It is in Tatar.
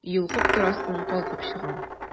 Йолкып торасың, калкып чыга...